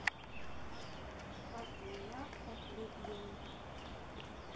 от меня от любимой